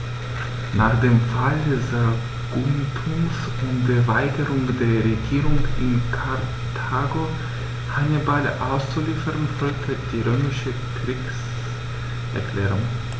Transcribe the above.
Nach dem Fall Saguntums und der Weigerung der Regierung in Karthago, Hannibal auszuliefern, folgte die römische Kriegserklärung.